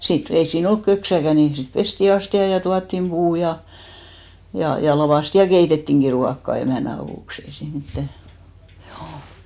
sitten ei siinä ollut köksääkään niin sitten pestiin astiat ja tuotiin puut ja ja ja lakaistiin ja keitettiinkin ruokaa emännän avuksi ei siinä mitään juu